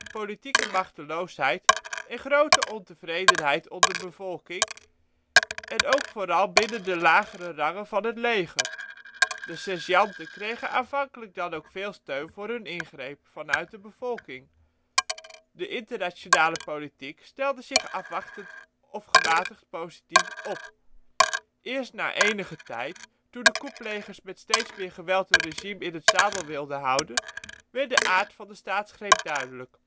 politieke machteloosheid en grote ontevredenheid onder de bevolking en ook vooral binnen de lagere rangen van het leger. De sergeanten kregen aanvankelijk dan ook veel steun voor hun ' ingreep ' vanuit de bevolking; de internationale politiek stelde zich afwachtend of gematigd-positief op. Eerst na enige tijd, toen de coupplegers met steeds meer geweld hun regime in het zadel wilden houden, werd de aard van de staatsgreep duidelijk